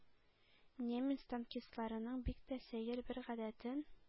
Немец танкистларының бик тә сәер бер гадәтен